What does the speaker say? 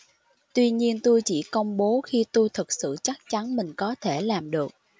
tuy nhiên tôi chỉ công bố khi tôi thực sự chắc chắn mình có thể làm được